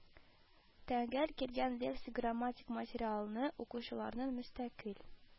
Тəңгəл килгəн лексик-грамматик материалны укучыларның мөстəкыйль